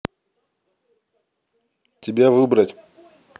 тебя выбрать